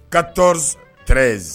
Kato ty